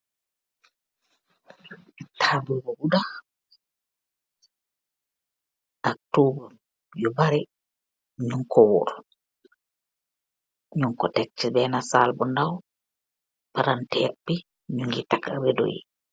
Tabul bu sohkula ak ayyi toguu yuu barri nyewko woorr.